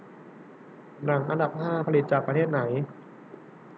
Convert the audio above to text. หนังอันดับห้าผลิตจากประเทศไหน